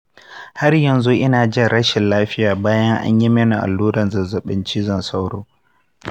har yanzu ina jin rashin lafiya bayan an yi mini allurar zazzabin cizon sauro.